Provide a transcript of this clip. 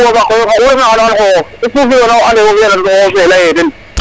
A fiMangaan koy oxu refna xan a and xooxof to ku fi'eena o ande wo fi'un lay'le o ten.